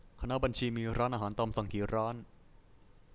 คณะบัญชีมีร้านอาหารตามสั่งกี่ร้าน